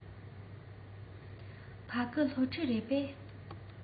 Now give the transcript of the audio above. ཕ གི སློབ ཕྲུག རེད པས